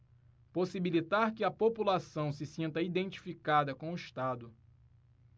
possibilitar que a população se sinta identificada com o estado